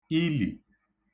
ilì